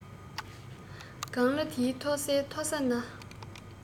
ལྒང ལི འདིའི མཐོ སའི མཐོ ས ན